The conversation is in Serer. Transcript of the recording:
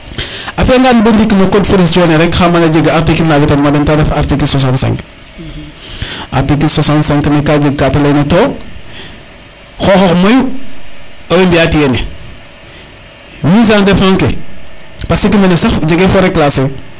a fiya ngan bo ndiik no code forestier ne rek xam ande a jega article na wetan ma den te ref article 65 article 65 ka jeg ka te ley na to xoxox mayu owey mbiya tiye ne mis en defend ke parce que mene sax jege foret classer